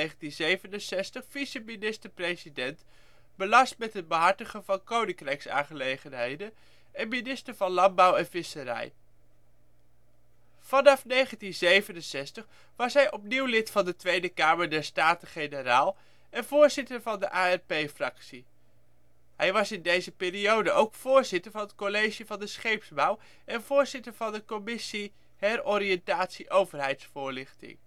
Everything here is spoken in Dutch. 1967 vice-minister-president, belast met de behartiging van Koninkrijksaangelegenheden, en minister van Landbouw en Visserij. Vanaf 1967 was hij opnieuw lid van de Tweede Kamer der Staten-Generaal en voorzitter van de ARP-fractie. Hij was in deze periode ook voorzitter van het College van de Scheepsbouw en voorzitter van de commissie Heroriëntatie overheidsvoorlichting